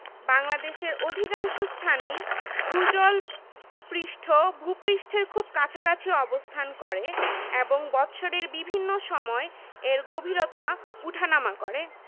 বাংলাদেশের অধিকাংশ স্থানেই ভূ জল পৃষ্ঠ ভূ পৃষ্ঠের খুব কাছাকাছি অবস্থান করে এবং বৎসরের বিভিন্ন সময় এর গভীরতা উঠানামা করে